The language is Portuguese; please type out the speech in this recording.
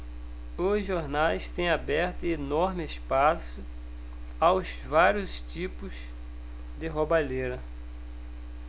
os jornais têm aberto enorme espaço aos vários tipos de roubalheira